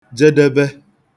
jedebe